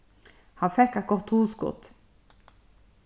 hann fekk eitt gott hugskot